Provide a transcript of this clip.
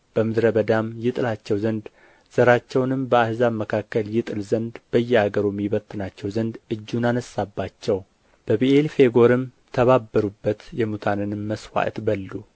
በምድረ በዳም ይጥላቸው ዘንድ ዘራቸውንም በአሕዛብ መካከል ይጥል ዘንድ በየአገሩም ይበትናቸው ዘንድ እጁን አነሣባቸው በብዔል ፌጎርም ተባበሩበት የሙታንንም መሥዋዕት በሉ